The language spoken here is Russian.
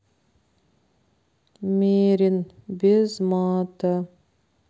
мерин без мата